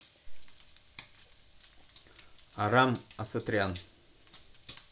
арам асатрян